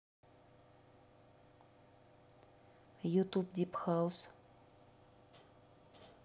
ютуб дип хаус